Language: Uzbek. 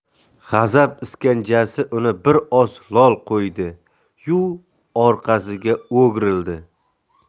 g'azab iskanjasi uni bir oz holi qo'ydi yu orqasiga o'girildi